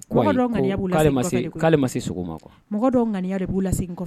mɔgɔ dɔw ŋaniya de b'u lasegin kɔ